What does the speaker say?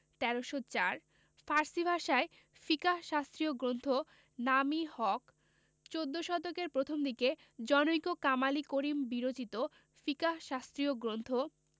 ১৩০৪ ফার্সি ভাষাইয় ফিকাহ শাস্ত্রীয় গ্রন্থ নাম ই হক চৌদ্দ শতকের প্রথমদিকে জনৈক কামাল ই করিম বিরচিত ফিকাহ শাস্ত্রীয় গ্রন্থ